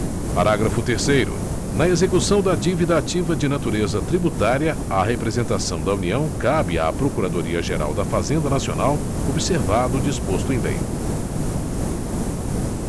parágrafo terceiro na execução da dívida ativa de natureza tributária a representação da união cabe à procuradoria geral da fazenda nacional observado o disposto em lei